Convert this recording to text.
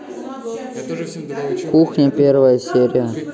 кухня первая серия